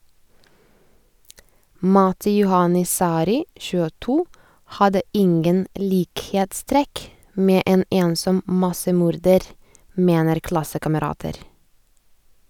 Matti Juhani Sari (22) hadde ingen likhetstrekk med en ensom massemorder, mener klassekamerater.